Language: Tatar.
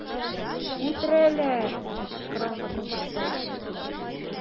"үтерәләр” дип кычкырган хатын-кыз тавышы ишетелә.